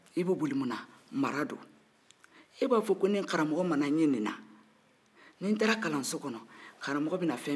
e b'a fɔ ko ne maramɔgɔ mana n ye nin na ni n taara kalanso kɔnɔ karaɔgɔ bɛ na fɛn min kɛ n na